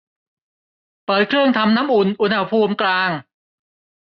เปิดเครื่องทำน้ำอุ่นอุณหภูมิกลาง